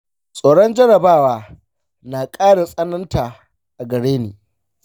tsoron jarabawa na ƙara tsananta a gare ni.